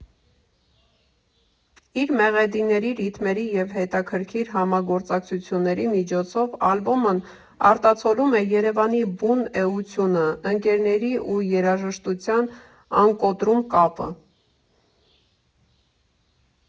Իր մեղեդիների, ռիթմերի և հետաքրքիր համագործակցությունների միջոցով ալբոմն արտացոլում է Երևանի բուն էությունը, ընկերների ու երաժշտության անկոտրում կապը։